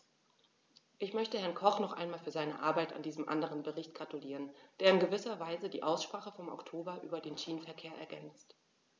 Ich möchte Herrn Koch noch einmal für seine Arbeit an diesem anderen Bericht gratulieren, der in gewisser Weise die Aussprache vom Oktober über den Schienenverkehr ergänzt.